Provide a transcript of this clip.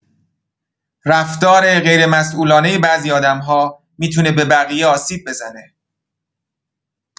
رفتار غیرمسئولانه بعضی آدم‌ها می‌تونه به بقیه آسیب بزنه.